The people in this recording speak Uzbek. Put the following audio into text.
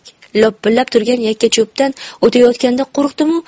lopillab turgan yakkacho'pdan o'tayotganda qo'rqdimu